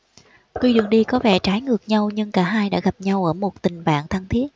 tuy đường đi có vẻ trái ngược nhau nhưng cả hai đã gặp nhau ở một tình bạn thân thiết